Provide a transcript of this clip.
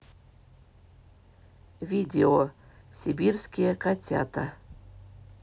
видео сибирские котята